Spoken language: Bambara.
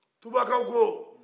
tubakaw ko